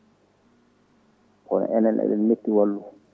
kono enen eɗen metti wallude